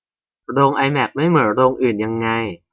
โรงไอแม็กซ์ไม่เหมือนโรงอื่นยังไง